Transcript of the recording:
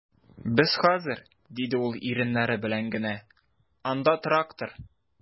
Без хәзер, - диде ул иреннәре белән генә, - анда трактор...